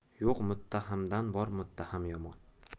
yo'q muttahamdan bor muttaham yomon